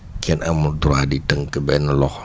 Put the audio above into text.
kenn amul droit di tënk benn loxo